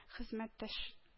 Хезмәттәш